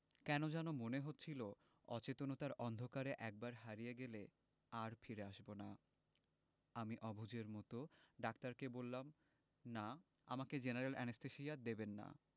কেন জানি মনে হচ্ছিলো অচেতনতার অন্ধকারে একবার হারিয়ে গেলে আর ফিরে আসবো না আমি অবুঝের মতো ডাক্তারকে বললাম না আমাকে জেনারেল অ্যানেসথেসিয়া দেবেন না